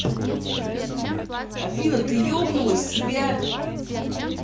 афина ты ебнулась себя